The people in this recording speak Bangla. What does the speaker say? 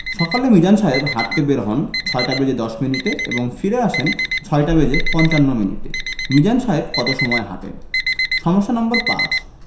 সকালে মিজান সাহেব হাঁটতে বের হন ৬টা বেজে ১০ মিনিটে এবং ফিরে আসেন ৬টা বেজে পঞ্চান্ন মিনিটে মিজান সাহেব কত সময় হাঁটেন সমস্যা নাম্বার ৫